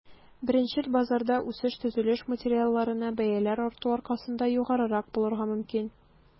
Беренчел базарда үсеш төзелеш материалларына бәяләр арту аркасында югарырак булырга мөмкин.